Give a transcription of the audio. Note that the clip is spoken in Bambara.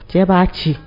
Cɛ b'a ci